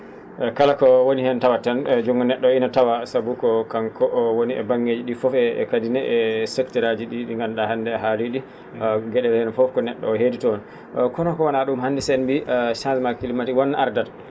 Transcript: e kala ko woni heen tawat tan juutngo ne??o oo ina tawaa sabu ko kanko woni e banggeeji ?i fof e kadi ne e secteur aji ?i nganndu?aa hannde a haalii ?i ge?e ?een fof ko ne??o oo heedi toon kono ko wonaa ?um hannde so en mbiyii changement climatique won no ardata